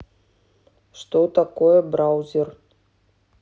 что такое браузер